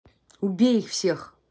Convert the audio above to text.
убей их всех